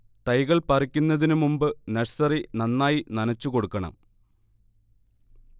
തൈകൾ പറിക്കുന്നതിന് മുമ്പ് നഴ്സറി നന്നായി നനച്ചുകൊടുക്കണം